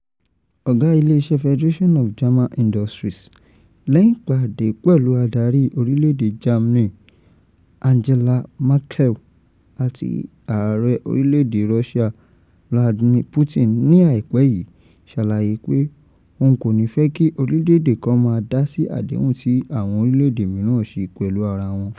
"Ọ̀gá ilé iṣẹ́ Federation of German Industries (BDI), lẹ́yìn ìpàdé pẹ̀lú adarí orílẹ̀èdè Germany Angela Merkel àti ààrẹ orílẹ̀èdè Russia Vladimir Putin ní àìpẹ́ yìí ṣàlàyé pé òun kò nífẹ̀ẹ́ kí orílẹ̀èdè kan máa dásí àdéhùn tí àwọn orílẹ̀èdè mìíràn ṣe pẹ̀lú ara wọn.